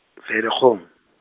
Ferikgong.